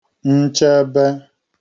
nchebē